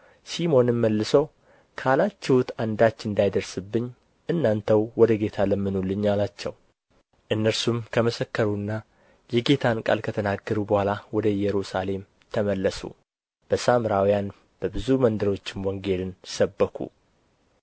ሲሞንም መልሶ ካላችሁት አንዳች እንዳይደርስብኝ እናንተው ወደ ጌታ ለምኑልኝ አላቸው እነርሱም ከመሰከሩና የጌታን ቃል ከተናገሩ በኋላ ወደ ኢየሩሳሌም ተመለሱ በሳምራውያን በብዙ መንደሮችም ወንጌልን ሰበኩ